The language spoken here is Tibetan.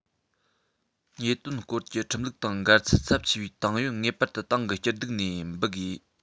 ཉེས དོན སྐོར གྱི ཁྲིམས ལུགས དང འགལ ཚུལ ཚབས ཆེ བའི ཏང ཡོན ངེས པར དུ ཏང གི སྐྱིད སྡུག ནས འབུད དགོས